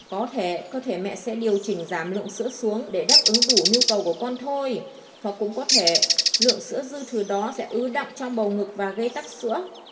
có thể cơ thể mẹ sẽ điều chỉnh giảm lượng sữa xuống để đáp ứng đủ nhu cầu của con thôi hoặc cũng có thể lượng sữa dư thừa đó sẽ ứ đọng trong bầu ngực và gây tắc sữa